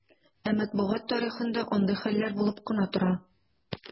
Ә матбугат тарихында андый хәлләр булып кына тора.